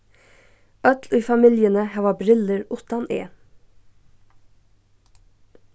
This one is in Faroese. øll í familjuni hava brillur uttan eg